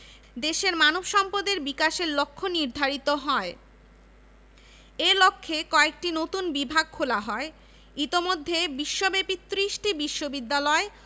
ও গবেষণা কেন্দ্রের সাথে এর সহযোগিতা চুক্তি হয়েছে সার্ক ও দক্ষিণ পূর্ব এশিয়ায় এ বিশ্ববিদ্যালয় একটি অতি উন্নত শিক্ষাক্ষেত্র হিসেবে চিহ্নিত